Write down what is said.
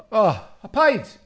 O, a paid.